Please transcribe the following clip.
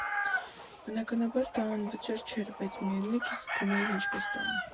Բնականաբար դա անվճար չէր, բայց, միևնույն է, քեզ զգում էիր ինչպես տանը։